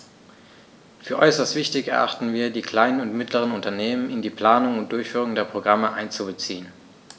Für äußerst wichtig erachten wir, die kleinen und mittleren Unternehmen in die Planung und Durchführung der Programme einzubeziehen.